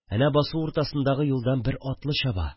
Әнә басу уртасындагы юлдан бер атлы чаба